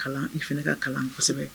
Kalan i fana ka kalan kosɛbɛ